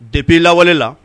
De b'i lawale la